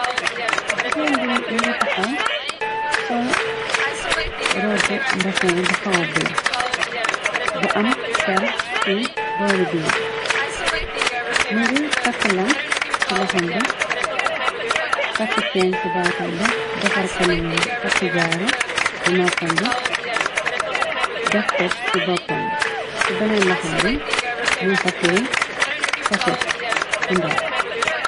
Jigéen bi më ngay taxaw sol robu mbasin bu xawa bulo bu am pr ci boori biir bi më ngay takk lam ci loxambi tkkn i baatamb defar kanamambi takk jaaro ci noppamb def tek ci boppambi ci beneen loxambi mum fatee poset bu ndaw.